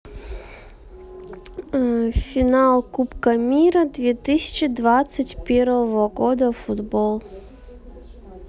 финал кубка мира две тысячи двадцать первого года футбол